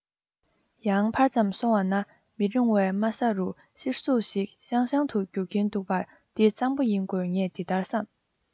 ཡང ཕར ཙམ སོང བ ན མི རིང བའི དམའ ས རུ གཤེར གཟུགས ཤིག ཤང ཤང དུ རྒྱུག གིན འདུག པ འདི གཙང པོ ཡིན དགོས ངས འདི ལྟར བསམ